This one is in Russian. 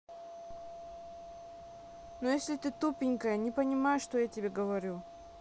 ну если ты тупенькая не понимаешь что я тебе говорю